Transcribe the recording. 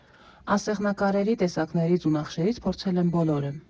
Ասեղնակարերի տեսակներից ու նախշերից փորձել եմ բոլորը։